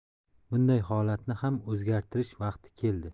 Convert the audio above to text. bunday holatni ham o'zgartirish vaqti keldi